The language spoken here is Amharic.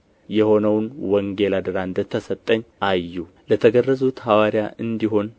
የሆነው ወንጌል አደራ እንደ ተሰጠኝ አዩ ለተገረዙት ሐዋርያ እንዲሆን